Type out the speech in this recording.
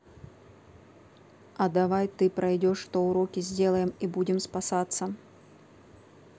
а давай ты пройдешь что уроки сделаем и будем спасаться